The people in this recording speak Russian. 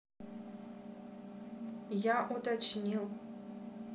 я уточнил